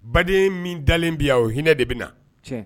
Baden min dalen bi yan o hinɛ de bɛ na